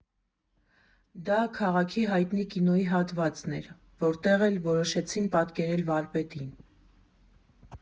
Դա քաղաքի հայտնի կինոյի հատվածն էր, որտեղ էլ որոշեցին պատկերել վարպետին։